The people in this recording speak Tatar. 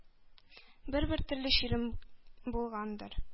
Бер-бер төрле чирем булгандыр,